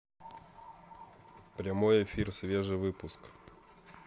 прямой эфир свежий выпуск